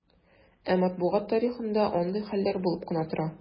Ә матбугат тарихында андый хәлләр булып кына тора.